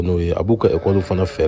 a b'u kɛ k'olu fana fɛɛrɛ bɔ